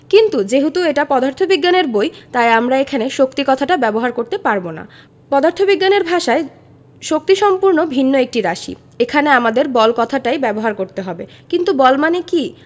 কিন্তু যেহেতু এটা পদার্থবিজ্ঞানের বই তাই আমরা এখানে শক্তি কথাটা ব্যবহার করতে পারব না পদার্থবিজ্ঞানের ভাষায় শক্তি সম্পূর্ণ ভিন্ন একটা রাশি এখানে আমাদের বল কথাটাই ব্যবহার করতে হবে কিন্তু বল মানে কী